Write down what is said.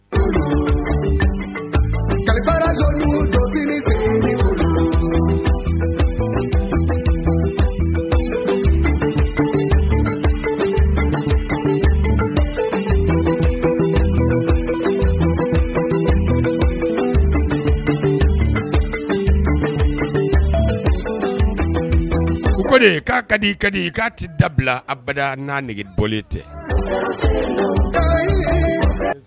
Ko k'a ka di i ka di i k'a tɛ dabila aba n' nɛgɛ bolilen tɛ